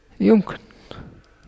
يمكن